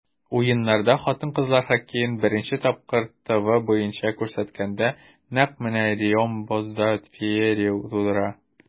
Уеннарда хатын-кызлар хоккеен беренче тапкыр ТВ буенча күрсәткәндә, нәкъ менә Реом бозда феерия тудыра.